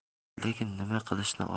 lekin nima qilishni